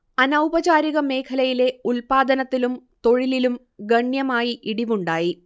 അനൗപചാരിക മേഖലയിലെ ഉൽപാദനത്തിലും തൊഴിലിലും ഗണ്യമായി ഇടിവുണ്ടായി